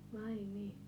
vai niin